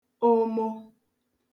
omo